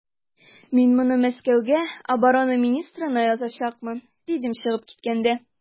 Мин моны Мәскәүгә оборона министрына язачакмын, дидем чыгып киткәндә.